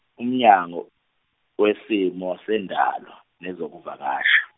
uMnyango wesimo seNdalo nezokuVakasha.